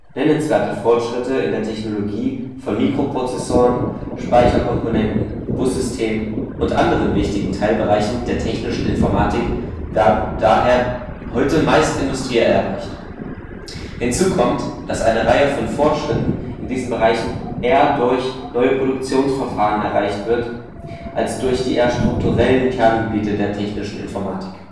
Nennenswerte Fortschritte in der Technologie von Mikroprozessoren, Speicherkomponenten, Bussystemen und anderen wichtigen Teilbereichen der technischen Informatik werden daher heute meist industriell erreicht. Hinzu kommt, dass eine Reihe von Fortschritten in diesen Bereichen eher durch neue Produktionsverfahren erreicht wird als durch die eher strukturellen Kerngebiete der technischen Informatik